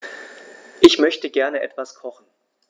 Ich möchte gerne etwas kochen.